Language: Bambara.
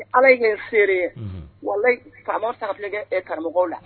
Ala ye kɛ feereere ye wala faama taara kɛ karamɔgɔ la